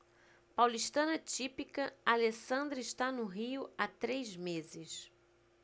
paulistana típica alessandra está no rio há três meses